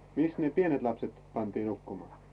Mihis ne pienet lapset pantii, nukkumaa?